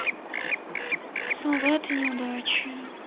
солдаты неудачи